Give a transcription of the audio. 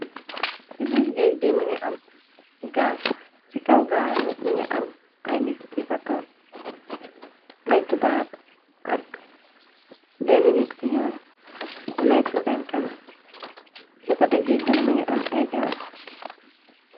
si biir géej bi mi nga am gaal ci kaw gaale mi nga am ay nit yi fator aytubaab ak benn nit ku ñuol ku nekk seen kana ci kote géej bi na mi nga am ay garab